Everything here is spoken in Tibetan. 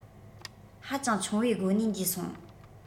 ཧ ཅང ཆུང བའི སྒོ ནས འདས སོང